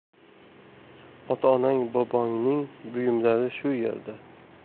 ota onang bobongning buyumlari shu yerda